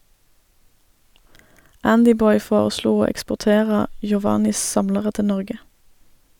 Andyboy foreslo å eksportere Yovanys samlere til Norge.